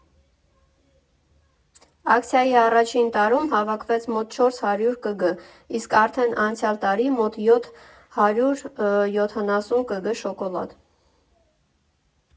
Ակցիայի առաջին տարում հավաքվեց մոտ չորս հարյուր կգ, իսկ արդեն անցյալ տարի՝ մոտ յոթ հարյուր յոթանասուն կգ շոկոլադ։